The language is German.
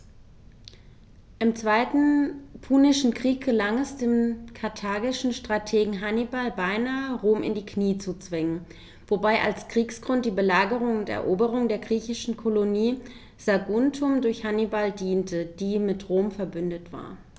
Im Zweiten Punischen Krieg gelang es dem karthagischen Strategen Hannibal beinahe, Rom in die Knie zu zwingen, wobei als Kriegsgrund die Belagerung und Eroberung der griechischen Kolonie Saguntum durch Hannibal diente, die mit Rom „verbündet“ war.